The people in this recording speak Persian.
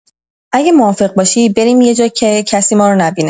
اگه موافق باشی بریم یه جا که کسی مارو نبینه.